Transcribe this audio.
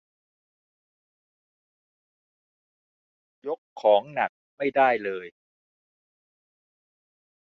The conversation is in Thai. ยกของหนักไม่ได้เลย